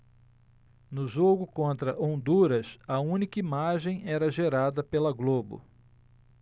no jogo contra honduras a única imagem era gerada pela globo